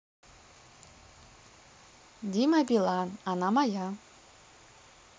дима билан она моя